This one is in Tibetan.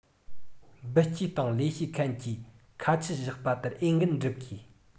འབུལ སྐྱེས དང ལེན བྱེད མཁན གྱིས ཁ ཆད བཞག པ ལྟར འོས འགན བསྒྲུབ དགོས